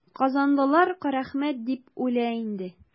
Казанлылар Карәхмәт дип үлә инде.